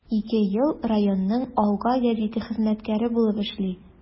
Ике ел районның “Алга” гәзите хезмәткәре булып эшли.